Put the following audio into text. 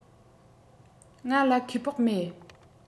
ང ལ ཁེ སྤོགས མེད